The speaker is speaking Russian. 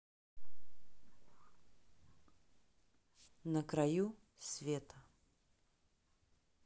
на краю света